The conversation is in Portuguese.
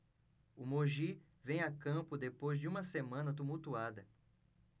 o mogi vem a campo depois de uma semana tumultuada